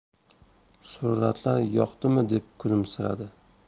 suratlar yoqdimi deb kulimsiradi